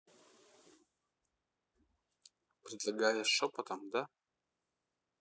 предлагаешь шепотом да